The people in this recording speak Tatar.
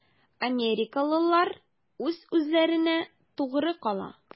Америкалылар үз-үзләренә тугры кала.